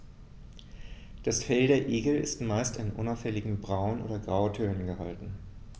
Das Fell der Igel ist meist in unauffälligen Braun- oder Grautönen gehalten.